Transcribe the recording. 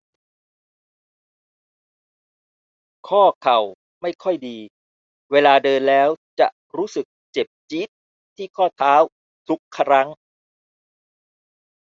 ข้อเข่าไม่ค่อยดีเวลาเดินแล้วจะรู้สึกเจ็บจี๊ดที่ข้อเท้าทุกครั้ง